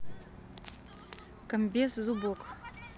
комбез зубок